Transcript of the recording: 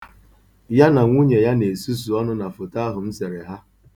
Ya na nwunye ya na-esusu ọnụ na foto ahụ m sere ha.